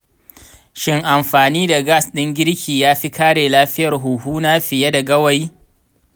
shin amfani da gas ɗin girki ya fi kare lafiyar huhuna fiye da gawayi?